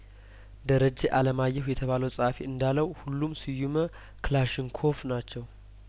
ደረጀ አለማየሁ የተባለው ጸሀፊ እንዳለው ሁሉም ስዩ መ ክላሽንኮቭ ናቸው